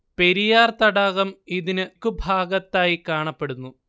പെരിയാർ തടാകം ഇതിന് തെക്കു ഭാഗത്തായി കാണപ്പെടുന്നു